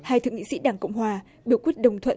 hay thượng nghị sĩ đảng cộng hòa biểu quyết đồng thuận